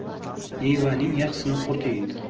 mevaning yaxshisini qurt yeydi